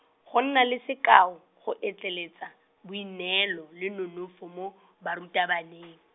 go nna le sekao, go etleletsa, boineelo le nonofo mo, barutabaneng.